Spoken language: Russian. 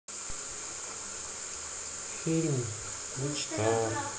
фильмь мечта